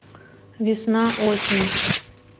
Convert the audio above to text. весна осень